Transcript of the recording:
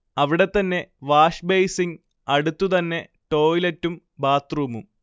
അവിടെ തന്നെ വാഷ്ബെയ്സിങ്, അടുത്തു തന്നെ ടോയ്ലറ്റും ബാത്ത്റൂമും